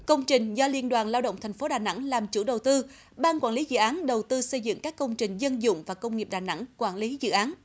công trình do liên đoàn lao động thành phố đà nẵng làm chủ đầu tư ban quản lý dự án đầu tư xây dựng các công trình dân dụng và công nghiệp đà nẵng quản lý dự án